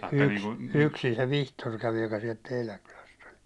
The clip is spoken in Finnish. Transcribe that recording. -- yksin se Vihtori kävi joka sieltä teidän kylästä oli